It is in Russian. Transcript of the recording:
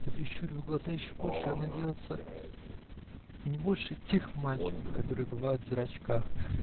Я прищуриваю глаза еще больше, и она делается не больше тех мальчиков, которые бывают в зрачках